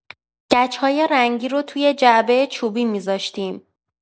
گچ‌های رنگی رو توی جعبه چوبی می‌ذاشتیم.